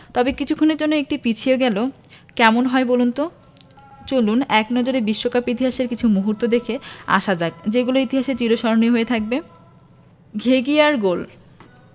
তবে কিছুক্ষণের জন্য একটু পিছিয়ে গেলে কেমন হয় বলুন তো চলুন এক নজরে বিশ্বকাপ ইতিহাসের কিছু মুহূর্ত দেখে আসা যাক যেগুলো ইতিহাসে চিরস্মরণীয় হয়ে থাকবে ঘিঘিয়ার গোল